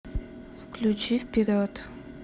включи вперед